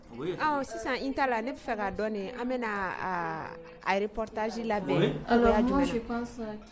a sisan intala n fɛ la dɔɔnin an bɛna reportage labɛn sira jumɛn na